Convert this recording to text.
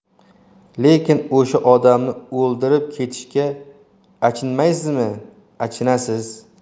lekin o'sha odamni o'ldirib ketishsa achinmaysizmi achinasiz